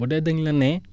bu dee dañ la ne